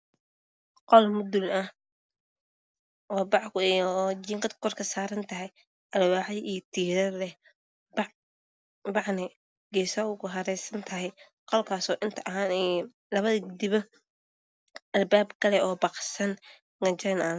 Qol mudul ah oo bac kasaaran tahay oo uu ku xiran yahay albaab